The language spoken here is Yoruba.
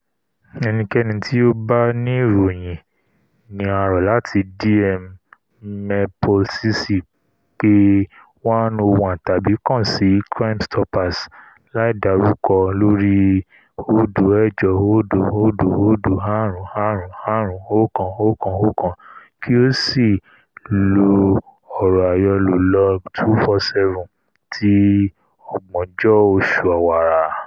Ẹnikẹ́ni tí ó bá ní ohun tó fẹ́ sọ fún wà kó kàn sí wà ni DM @MerPoICC, pe 101 tàbí kàn sí Crimestoppers láìdárúkọ lórí 08000 555 111 kí ó sì ́lo ọ̀rọ̀ àyọlò log 247 ti Ọgbọ́njọ́ọ́ Oṣù Ọwara.